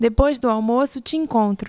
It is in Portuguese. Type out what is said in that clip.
depois do almoço te encontro